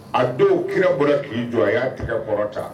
A don kira bɔra k'i jɔ a y'a tɛgɛ kɔrɔ ta